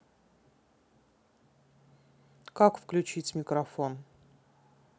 как включить микрофон